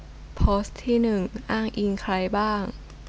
โพสต์ที่หนึ่งอ้างอิงใครบ้าง